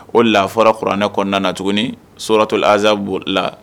O lafɔuranɛ kɔnɔna na tuguni soratɔ azsabon la